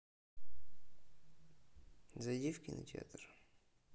зайди в кинотеатр